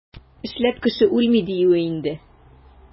Эшләп кеше үлми, диюе инде.